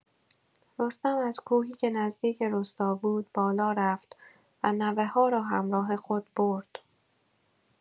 رستم از کوهی که نزدیک روستا بود بالا رفت و نوه‌ها را همراه خود برد.